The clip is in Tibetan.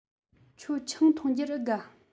ཁྱོད ཆང འཐུང རྒྱུར འུ དགའ